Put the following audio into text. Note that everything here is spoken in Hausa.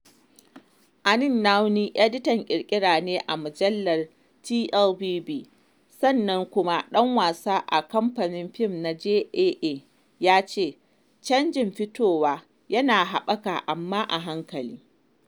Amine Nawny, editan ƙirƙira a mujallar TLBB sannan kuma ɗan wasa a Kamfanin Fim na JAA ya ce, ''Canjin fitowar yana haɓaka amma a hankali''.